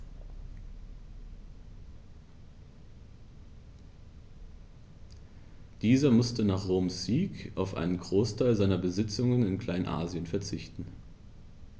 Dieser musste nach Roms Sieg auf einen Großteil seiner Besitzungen in Kleinasien verzichten.